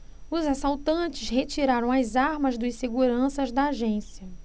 os assaltantes retiraram as armas dos seguranças da agência